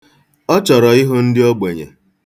Ọ chọrọ ịhụ ndị ogbenye.